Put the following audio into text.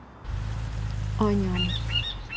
а ням